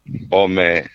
O mɛn